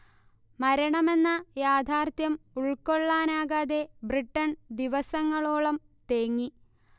മരണമെന്ന യാഥാർഥ്യം ഉൾക്കൊള്ളാനാകാതെ, ബ്രിട്ടൻ ദിവസങ്ങളോളം തേങ്ങി